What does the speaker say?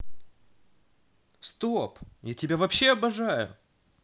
стоп я тебя вообще обожаю